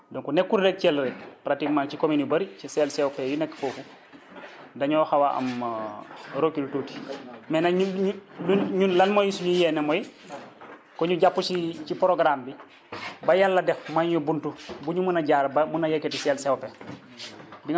donc nekkul rek Thiel rek pratiquement ci commune yu bëri ci CLCOP yi nekk foofu dañoo xaw a am recul tuuti mais nag ñu ñu ñun lan mooy suñu yéene mooy que ñu jàpp si ci programme bi ba yàlla def may ñu bunt bu ñu mën a jaar ba mun a yëkkati CLCOP